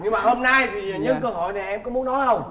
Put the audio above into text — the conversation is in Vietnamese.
nhưng mà hôm nay thì nhân cơ hội này em có muốn nói hông